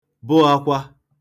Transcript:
bụ ākwā